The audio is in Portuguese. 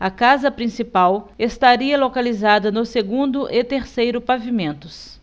a casa principal estaria localizada no segundo e terceiro pavimentos